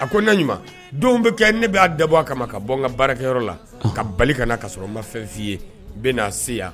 a ko na ɲuman don bɛ kɛ ne b'a dabɔ a kama ka bɔ n ka baarakɛyɔrɔ la ka bali ka ka sɔrɔ ma fɛn f'i ye bɛ na se yan